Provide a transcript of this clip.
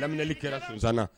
Laminɛni kɛra kɛra sonsan na